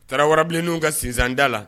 Tarawele warabilenw ka sinsanda la